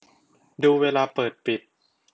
ดูเวลาเปิดปิด